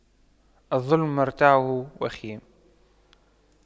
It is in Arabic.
الظلم مرتعه وخيم